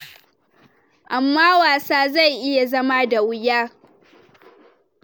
Amma wasa zai iya zama da wuya.